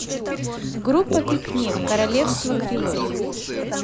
группа пикник королевство кривых